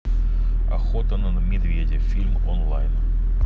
охота на медведя фильм онлайн